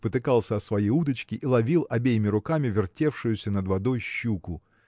спотыкался о свои удочки и ловил обеими руками вертевшуюся над водой щуку.